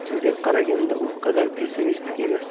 sizga qaraganda u qadar pessimistik emas